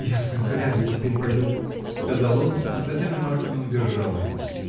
— Я в канцелярию теперь пойду, — сказал он, но Татьяна Марковна удержала его.